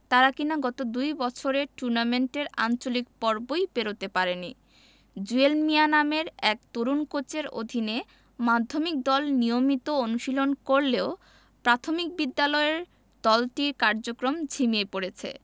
তারা কিনা গত দুই বছরে টুর্নামেন্টের আঞ্চলিক পর্বই পেরোতে পারেনি জুয়েল মিয়া নামের এক তরুণ কোচের অধীনে মাধ্যমিক দল নিয়মিত অনুশীলন করলেও প্রাথমিক বিদ্যালয়ের দলটির কার্যক্রম ঝিমিয়ে পড়েছে